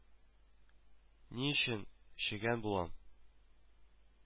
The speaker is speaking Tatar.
Ни өчен чегән булам